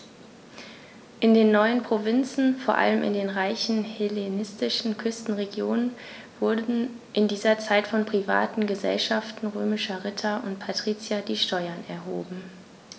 In den neuen Provinzen, vor allem in den reichen hellenistischen Küstenregionen, wurden in dieser Zeit von privaten „Gesellschaften“ römischer Ritter und Patrizier die Steuern erhoben.